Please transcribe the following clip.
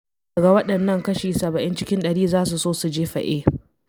Daga waɗannan, kashi 70 cikin ɗari za su so su jefa eh.